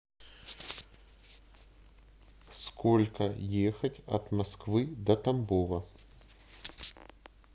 сколько ехать от москвы до тамбова